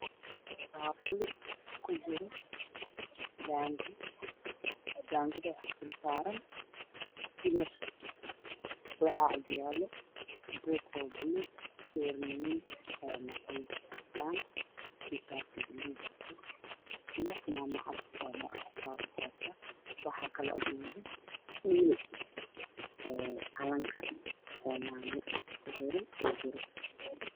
Meesgan waxa yaa lo baanka baaquli uu jujiro tufaax